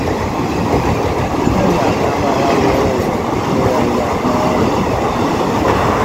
ไม่อยากทำอะไรเลยเหนื่อยอยากนอน